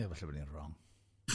Ie, falle bod ni'n rong.